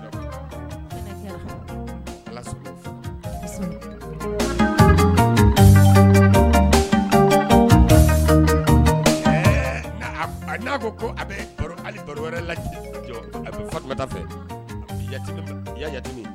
Na ko ko a bɛ baro wɛrɛ la jɔda fɛ